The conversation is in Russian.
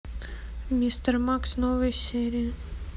мистер макс новые серии